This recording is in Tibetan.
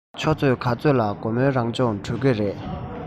ཆུ ཚོད ག ཚོད ལ དགོང མོའི རང སྦྱོང གྲོལ གྱི རེད